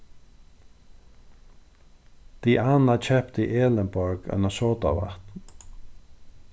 diana keypti elinborg eina sodavatn